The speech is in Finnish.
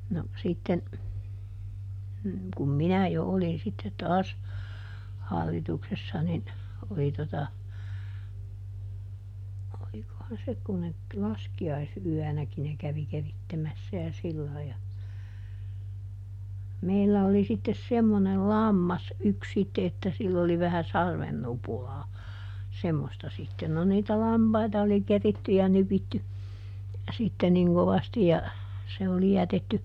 no sitten kun minä jo olin sitten taas - hallituksessa niin oli tuota olikohan se kun ne - laskiaisyönäkin ne kävi keritsemässä ja sillä lailla ja meillä oli sitten semmoinen lammas yksi sitten että sillä oli vähän sarven nupulaa semmoista sitten no niitä lampaita oli keritty ja nypitty sitten niin kovasti ja se oli jätetty